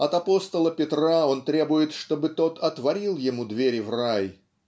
От апостола Петра он требует, чтобы тот отворил ему двери в рай